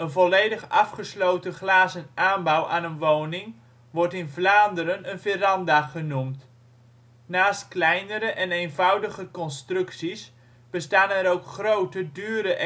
volledig afgesloten glazen aanbouw aan een woning wordt in Vlaanderen een veranda genoemd. Naast kleinere en eenvoudiger constructies bestaan er ook grote dure